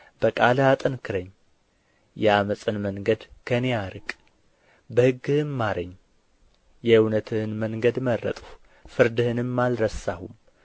በቃልህ አጠንክረኝ የዓመፅን መንገድ ከእኔ አርቅ በሕግህም ማረኝ የእውነትህን መንገድ መረጥሁ ፍርድህንም አልረሳሁም